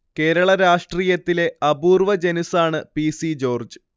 കേരള രാഷ്ട്രീയത്തിലെ അപൂർവ്വ ജനുസ്സാണ് പി. C George